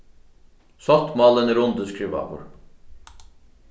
sáttmálin er undirskrivaður